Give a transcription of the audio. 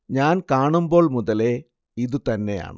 ഞാൻ കാണുമ്പോൾ മുതലേ ഇതു തന്നെയാണ്